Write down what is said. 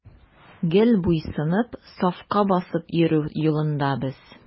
Гел буйсынып, сафка басып йөрү юлында без.